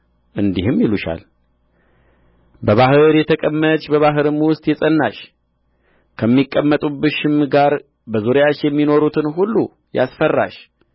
እንዲህም ይሉሻል በባሕር የተቀመጥሽ በባሕርም ውስጥ የጸናሽ ከሚቀመጡብሽም ጋር በዙሪያሽ የሚኖሩትን ሁሉ ያስፈራሽ